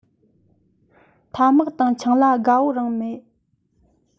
ཐ མག དང ཆང ལ དགའ པོ རང མེད